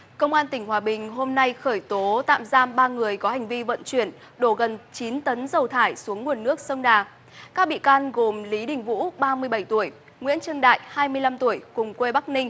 công an tỉnh hòa bình hôm nay khởi tố tạm giam ba người có hành vi vận chuyển đổ gần chín tấn dầu thải xuống nguồn nước sông đà các bị can gồm lý đình vũ ba mươi bảy tuổi nguyễn trương đại hai mươi lăm tuổi cùng quê bắc ninh